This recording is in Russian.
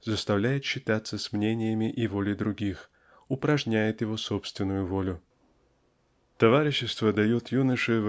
заставляет считаться с мнениями и волей других упражняет его собственную волю. Товарищество дает юноше